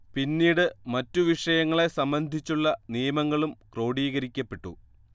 പിന്നീട് മറ്റു വിഷയങ്ങളെ സംബന്ധിച്ചുള്ള നിയമങ്ങളും ക്രോഡീകരിക്കപ്പെട്ടു